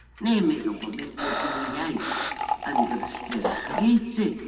Neu meddwl bod medru dwy iaith yn gyfystyr a chyfieithu.